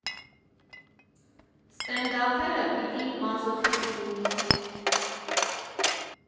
Ստենդափերը պիտի մազոխիստ լինի։